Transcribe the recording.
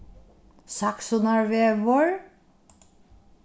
saksunarvegur